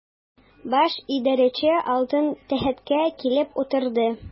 Баш идарәче алтын тәхеткә килеп утырды.